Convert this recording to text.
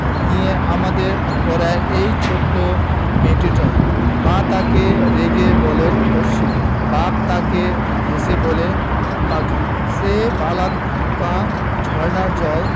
নিয়ে আমাদের পাড়ায় ঐ ছোট মেয়েটির জন্ম মা তাকে রেগে বলে দস্যি বাপ তাকে হেসে বলে পাগলি সে পলাতকা ঝরনার জল